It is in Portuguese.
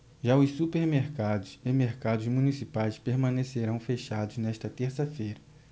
já os supermercados e mercados municipais permanecerão fechados nesta terça-feira